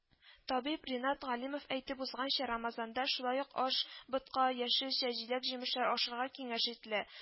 Табиб Ринат Галимов әйтеп узганча, Рамазанда шулай ук аш, ботка, яшелчә, җиләк-җимешләр ашарга киңәш ителә